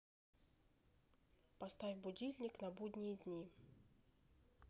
поставь будильник на будние дни